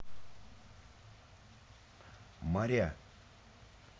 моря